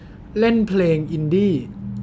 เล่นเพลงอินดี้